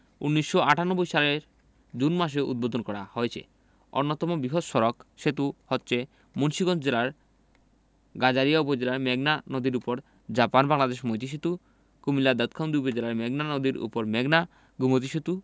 ১৯৯৮ সালের জুন মাসে উদ্বোধন করা হয়েছে অন্যান্য বৃহৎ সড়ক সেতু হচ্ছে মুন্সিগঞ্জ জেলার গজারিয়া উপজেলায় মেঘনা নদীর উপর জাপান বাংলাদেশ মৈত্রী সেতু কুমিল্লার দাউদকান্দি উপজেলায় মেঘনা নদীর উপর মেঘনা গোমতী সেতু